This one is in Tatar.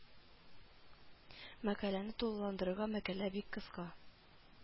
Мәкаләне тулыландырырга мәкалә бик кыска